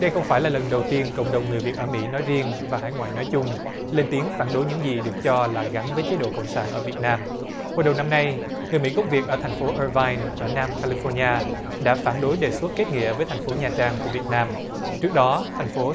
đây không phải là lần đầu tiên cộng đồng người việt ở mỹ nói riêng và hải ngoại nói chung lên tiếng phản đối những gì được cho là gắn với chế độ cộng sản ở việt nam hồi đầu năm nay người mỹ gốc việt ở thành phố irvine ở nam california đã phản đối đề xuất kết nghĩa với thành phố nha trang của việt nam trước đó thành phố